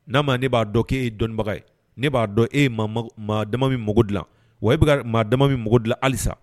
Nama ne b'a dɔn k'e ye dɔnnibaga ye ne b'a dɔn e ye maa dama min mako gilan wa e bɛ ka maa dama min bɛ mako gilan halisa